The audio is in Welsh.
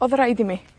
odd raid i mi,